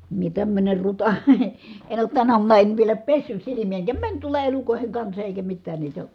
minä tämmöinen ruta en ole tänä aamuna en vielä pessyt silmiä enkä meni tuolla elukoiden kanssa eikä mitään niitä